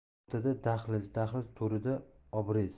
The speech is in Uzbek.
o'rtada dahliz dahliz to'rida obrez